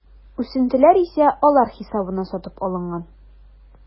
Үсентеләр исә алар хисабына сатып алынган.